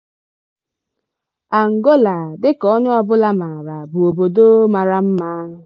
Angola, dịka onye ọbụla maara, bụ obodo mara mma.